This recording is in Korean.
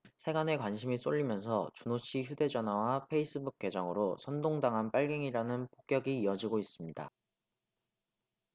세간의 관심이 쏠리면서 준호씨 휴대전화와 페이스북 계정으로 선동 당한 빨갱이라는 폭격이 이어지고 있습니다